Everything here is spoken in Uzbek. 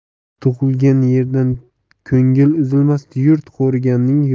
tug'ilgan yerdan ko'ngil uzilmas yurt qo'riganning yurti buzilmas